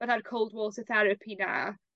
fatha'r cold water therapi 'na.